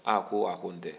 aa ko a ko n tɛ